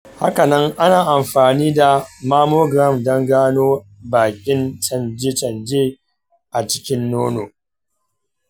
hakanan ana amfani da mammogram don gano baƙin canje-canje a cikin nono.